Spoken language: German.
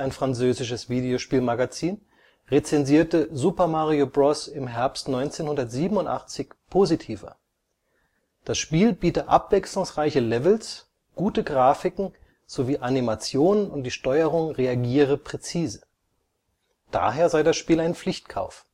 französisches Videospielmagazin – rezensierte Super Mario Bros. im Herbst 1987 positiver. Das Spiel biete abwechslungsreiche Levels, gute Grafiken sowie Animationen und die Steuerung reagiere präzise. Daher sei das Spiel ein Pflichtkauf